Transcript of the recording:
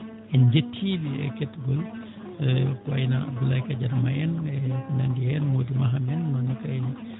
en njettii ɓe e kettagol ko wayi no Abdoulaye Kadiata May en e ko nanndi heen Mody Maham en